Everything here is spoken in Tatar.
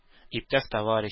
Иптәш-товарищ